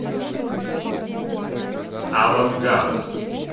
alan гас